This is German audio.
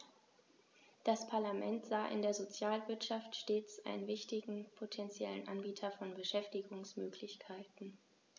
Das Parlament sah in der Sozialwirtschaft stets einen wichtigen potentiellen Anbieter von Beschäftigungsmöglichkeiten.